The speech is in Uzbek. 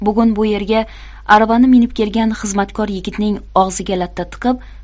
bugun bu yerga aravani minib kelgan xizmatkor yigitning og'ziga latta tiqib